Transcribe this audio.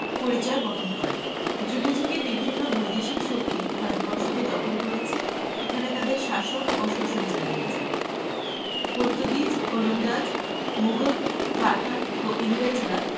পরিচয় বহন করে যুগে যুগে বিভিন্ন বৈদেশিক শক্তি ভারতবর্ষকে দখল করেছে এখানে তাদের শাসন ও শোষণ চালিইয়েছে পর্তুগিজ ওলন্দাজ মুঘল পাঠান ও ইংরেজরা